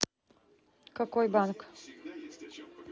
какой банк